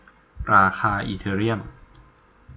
ราคาอีเธอเรียม